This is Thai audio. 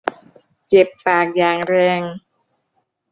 เจ็บปากอย่างแรง